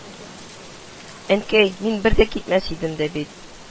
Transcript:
– әнкәй, мин бер дә китмәс идем дә бит